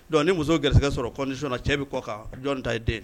Don ni muso garigɛ sɔrɔsina cɛ bɛ kɔ jɔnni ta ye den